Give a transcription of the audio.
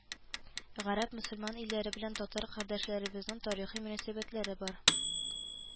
Гарәп, мөселман илләре белән татар кардәшләребезнең тарихи мөнәсәбәтләре бар